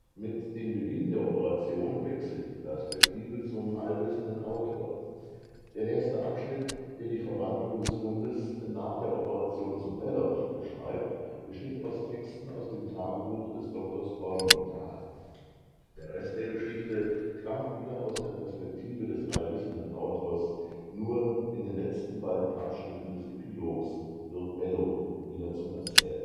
Mit dem Beginn der Operation wechselt die Perspektive zum allwissenden Autor. Der nächste Abschnitt, der die Verwandlung des Hunds nach der Operation zu Bellow beschreibt, besteht aus Texten aus dem Tagebuch des Doktors Bormental. Der Rest der Geschichte stammt wieder aus der Perspektive des allwissenden Autors. Nur in den letzten beiden Abschnitte des Epilogs wird Bello wieder zum